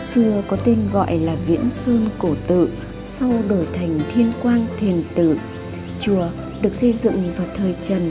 xưa có tên gọi là viễn sơn cổ tự sau đổi thành thiên quang thiền tự chùa được xây dựng vào thời trần